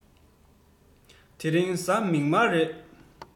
དེ རིང གཟའ མིག དམར རེད